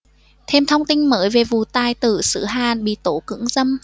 thêm thông tin mới về vụ tài tử xứ hàn bị tố cưỡng dâm